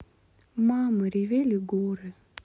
мама ревели горы